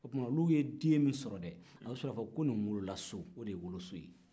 o tuma olu ye den min sɔrɔ dɛ a bɛ f'o de ma ko nin wolola so o de ye woloso ye